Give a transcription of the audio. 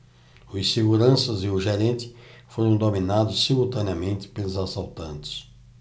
os seguranças e o gerente foram dominados simultaneamente pelos assaltantes